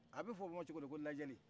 a bɛ fɔ o ma cogodi ko lajɛli